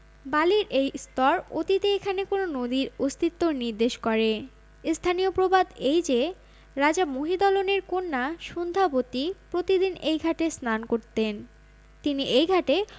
বালির এই স্তর অতীতে এখানে কোন নদীর অস্তিত্ব নির্দেশ করে স্থানীয় প্রবাদ এই যে রাজা মহিদলনের কন্যা সন্ধ্যাবতী প্রতিদিন এই ঘাটে স্নান করতেন তিনি এই ঘাটে